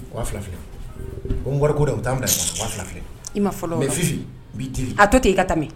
U fila fila ko n wari ko bɛ taa fila i ma a tɔ to i ka tɛmɛ